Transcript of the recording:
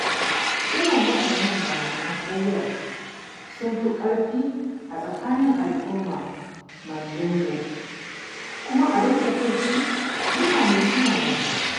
Irin waɗannan bayanan ƙaryar sun fi ƙarfi a tsakanin al'ummar Mandingo kuma abin takaici mutane suna yarda.